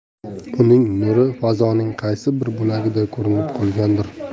uning nuri fazoning qaysi bir bo'lagida ko'rinib qolgandir